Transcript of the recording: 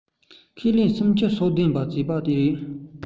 ཁས ལེན སུམ བཅུ སོ བདུན བྱས པ རེད